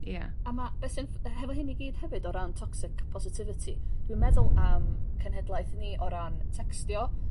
Ia. A ma'. Bysse'n... Yy hefo hyn i gyd hefyd o ran toxic positivity dwi'n meddwl am cenhedlaeth ni o ran tecstio.